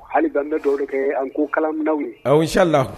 Hali dan bɛ dɔw kɛ an ko kala minɛn ye aw z la